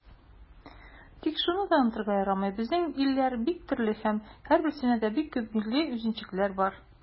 Тик шуны да онытырга ярамый, безнең илләр бик төрле һәм һәрберсендә бик күп милли үзенчәлекләр бар.